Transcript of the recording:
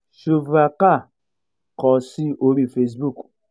Shuvra Kar kọ sí oríi Facebook: